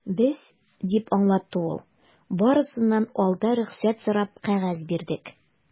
Без, - дип аңлатты ул, - барысыннан алда рөхсәт сорап кәгазь бирдек.